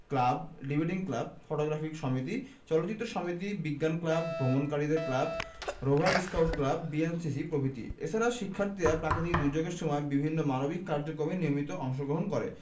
debating club photographic সমিতি চলচ্চিত্র সমিতি বিজ্ঞান ক্লাব ভ্রমণকারীদের club rover scout club BNCC প্রভৃতি এছাড়া শিক্ষার্থীরা প্রাকৃতিক দূর্যোগের সময় বিভিন্ন মানবিক কার্যক্রমে নিয়মিত অংশগ্রহণ করে